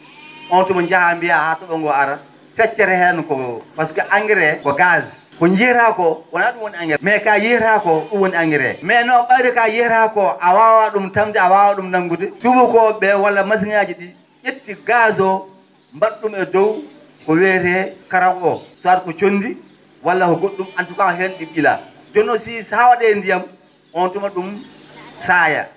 on tuma njahaa mbiyaa haa to?o ngoo ara feccere heen ko pasque engrais ko gaz ko jiyataa koo wonaa ?um woni engrais mais ka yiyataa koo ?um woni engrais mais non ?ayde ko a yiyataa ko a waawaa ?um tamde a waawaa ?um nanngude tubakoo?e walla machine aji ?ii ?etti gaz o mba?i ?um e dow ko wiyetee karab o soit ko conndi walla ko go??um en: fra tout: fra cas: fra heen ?i ?iila jooni noon si so a wa?e ndiyam on tuma ?um saaya